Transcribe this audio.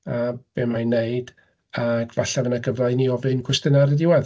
A be mae'n wneud, ac falle fydd 'na gyfle i ni ofyn cwestiynau ar y diwedd.